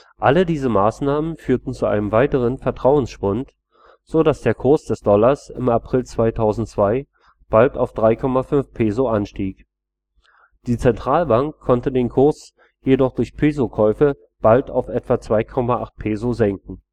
Alle diese Maßnahmen führten zu einem weiteren Vertrauensschwund, so dass der Kurs des Dollars im April 2002 bald auf etwa 3,50 Pesos anstieg. Die Zentralbank konnte den Kurs jedoch durch Pesokäufe bald auf etwa 2,80 Peso senken